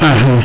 axa